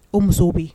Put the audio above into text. O muso bi